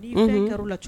La cogo